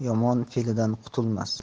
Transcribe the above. yomon fe'lidan qutulmas